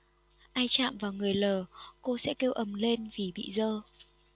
ai chạm vào người l cô sẽ kêu ầm lên vì bị dơ